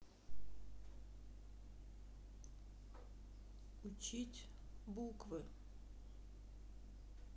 учить буквы